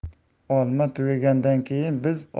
olma tugagandan keyin biz